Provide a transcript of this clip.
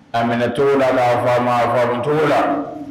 A minɛ cogo laa fa fa cogo la